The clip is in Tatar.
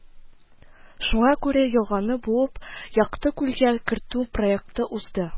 Шуңа күрә елганы буып, Якты күлгә кертү проекты узды